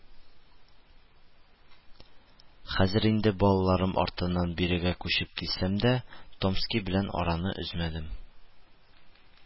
«хәзер инде балаларым артыннан бирегә күчеп килсәм дә, томски белән араны өзмәдем